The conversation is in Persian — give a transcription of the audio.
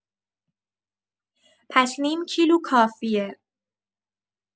پس نیم کیلو کافیه.